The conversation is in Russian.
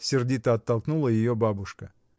— сердито оттолкнула ее бабушка.